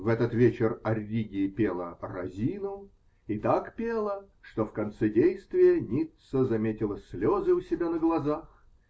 В этот вечер Арриги пела Розину, и так пела, что в конце действия Ницца заметила слезы у себя на глазах.